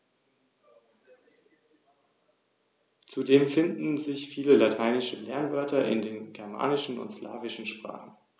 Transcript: Dies betrifft in gleicher Weise den Rhöner Weideochsen, der auch als Rhöner Biosphärenrind bezeichnet wird.